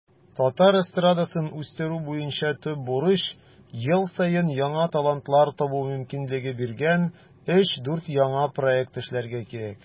Татар эстрадасын үстерү буенча төп бурыч - ел саен яңа талантлар табу мөмкинлеге биргән 3-4 яңа проект эшләргә кирәк.